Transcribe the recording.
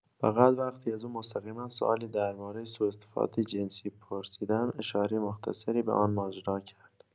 فقط وقتی از او مستقیما سوالی درباره سوءاستفاده جنسی پرسیدم، اشاره مختصری به آن ماجرا کرد.